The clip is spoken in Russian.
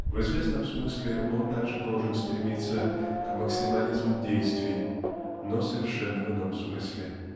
в известном смысле он также должен стремиться к максимализму действий но совершенно в ином смысле.